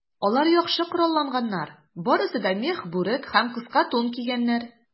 Алар яхшы коралланганнар, барысы да мех бүрек һәм кыска тун кигәннәр.